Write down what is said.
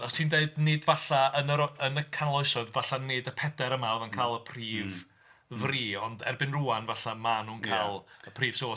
Achos ti'n dweud nid falle yn yr o- yn y Canol Oesoedd, falle nid y pedair yma oedd yn cael y prif fri ond erbyn rŵan falle maen nhw'n cael y prif... so...